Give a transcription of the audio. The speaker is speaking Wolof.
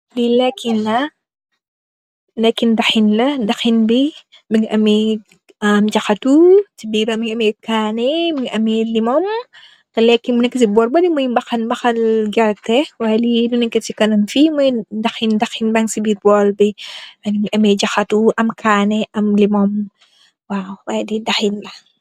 Bii leekë la, leekë daxin la. Mungi amee, jaxatu, ame kaani, mu ngi am limoñ. Ta leekë yu neekë si bool bële, mooy mbaxa gerte. Waay lii lu neekë si kanam fii mooy daxin, daxin baañ si biir bool bi. Mu ngi am ay jaxatu, am kaane, am limoñ, waaw. Waay lii daxin la.